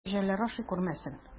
Кәҗәләр ашый күрмәсен!